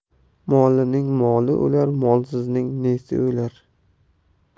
mollining moli o'lar molsizning nesi o'lar